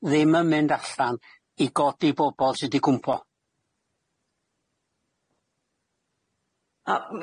ddim yn mynd allan i godi bobol sy 'di gwmpo.